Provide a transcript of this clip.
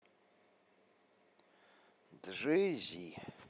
джей зи